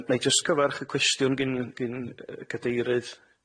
Yym nâi jyst cyfarch y cwestiwn gin gin yy cadeirydd